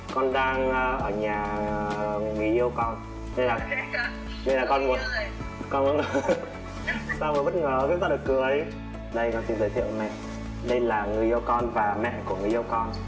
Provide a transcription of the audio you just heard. con đang ở nhà người yêu con nên là nên là con muốn con muốn tạo một bất ngờ với sao được cười đây con xin giới thiệu đây là người yêu con và mẹ của người yêu con